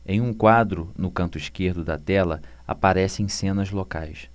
em um quadro no canto esquerdo da tela aparecem cenas locais